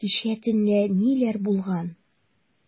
Кичә төнлә ниләр булган?